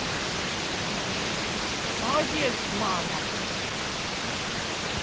молодец мама